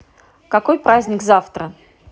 какой праздник завтра